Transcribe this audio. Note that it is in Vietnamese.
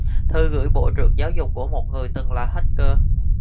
thư gửi bộ trưởng giáo dục của một người từng là hacker